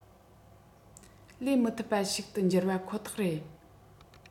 ལས མི ཐུབ པ ཞིག ཏུ གྱུར པ ཁོ ཐག རེད